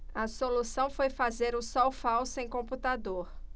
a solução foi fazer um sol falso em computador